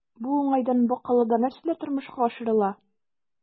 Бу уңайдан Бакалыда нәрсәләр тормышка ашырыла?